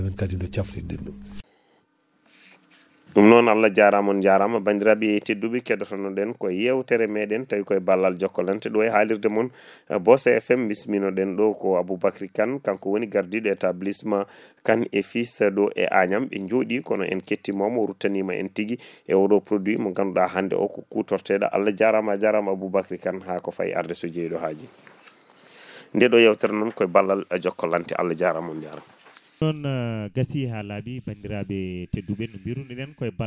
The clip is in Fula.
ha ganduɗa so Allah jaaɓi mo wuuri hankkandi ne wayno caɗele walo hankkandi en dialtat e caɗele walo ko fate ñamre ,e ko fate rafiji ko haltoyta e ndemateri men foof hankkadi caɗele mum ma en goɗɗoy hen ma en jaltu hen saabu ɗum kaadi partenaire ruji ɗi kaadi ɓe ji ko wona ɗo ko ɓe mbaɗi tourné ji ɓe ƴeewi min joddima e maɓɓe kaadi min baɗi évaluation ŋaji min badde mabɓe batuji min gandiniɓe fofoof donc ina joogua jorta dal hankkandi kaadi mo wuuri ko caɗele ɗe jiɗen hikka ɗe foof kaadi en jitata ɗum mo wuuri inchalla